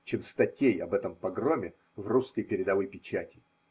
чем статей об этом погроме в русской передовой печати.